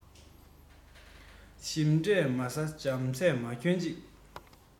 ཞིམ ཚད མ ཟ འཇམ ཚད མ གྱོན ཅིག